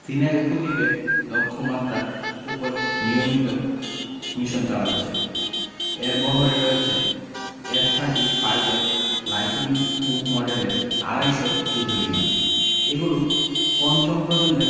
Sinai উপদ্বীপে লক্ষ্যমাত্রার ওপর নিয়মিত মিশন চালাচ্ছে এর বহরে রয়েছে এফ থার্টি ফাইভ এর লাইটিনিং টু মডেলের আড়াই শ যুদ্ধবিমান এগুলো পঞ্চম প্রজন্মের